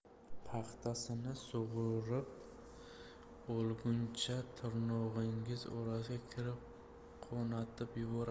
paxtasini sug'urib olguncha tirnog'ingiz orasiga kirib qonatib yuboradi